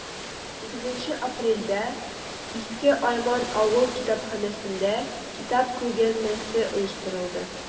8 апрельдә иске айман авыл китапханәсендә китап күргәзмәсе оештырылды.